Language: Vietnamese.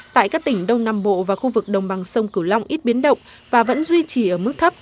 tại các tỉnh đông nam bộ và khu vực đồng bằng sông cửu long ít biến động và vẫn duy trì ở mức thấp